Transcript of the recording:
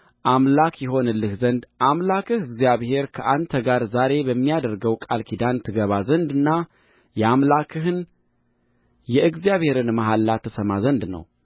አምላክ ይሆንልህ ዘንድ አምላክህ እግዚአብሔር ከአንተ ጋር ዛሬ በሚያደርገው ቃል ኪዳን ትገባ ዘንድና የአምላክህን የእግዚአብሔርን መሐላ ትሰማ ዘንድ ነው